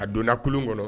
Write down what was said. A donna kolon kɔnɔ